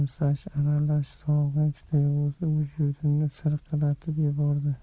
tuyg'usi vujudimni sirqiratib yubordi